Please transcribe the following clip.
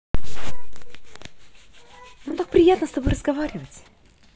нам так приятно с тобой разговаривать